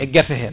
e guerte he